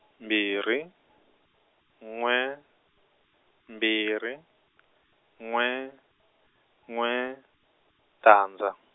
mbirhi, n'we, mbirhi, n'we, n'we, tandza.